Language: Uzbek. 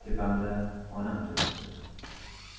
tepamda onam turibdi